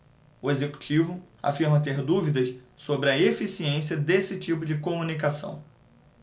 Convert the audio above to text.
o executivo afirma ter dúvidas sobre a eficiência desse tipo de comunicação